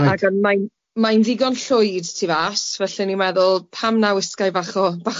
yy ac o'dd mae'n mae'n ddigon llwyd tu fas felly o'n i'n meddwl pam na wisgai bach o bach o liw?